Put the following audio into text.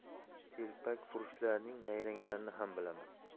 telpakfurushlarning nayranglarini ham bilaman